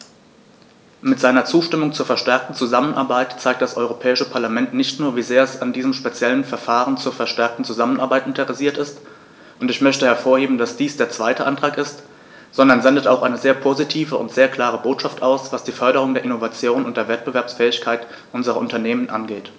Mit seiner Zustimmung zur verstärkten Zusammenarbeit zeigt das Europäische Parlament nicht nur, wie sehr es an diesem speziellen Verfahren zur verstärkten Zusammenarbeit interessiert ist - und ich möchte hervorheben, dass dies der zweite Antrag ist -, sondern sendet auch eine sehr positive und sehr klare Botschaft aus, was die Förderung der Innovation und der Wettbewerbsfähigkeit unserer Unternehmen angeht.